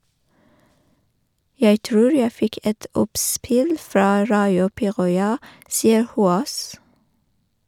- Jeg tror jeg fikk et oppspill fra Raio Piiroja, sier Hoås.